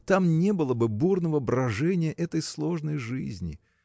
там не было бы бурного брожения этой сложной жизни.